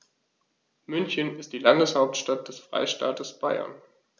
München ist die Landeshauptstadt des Freistaates Bayern.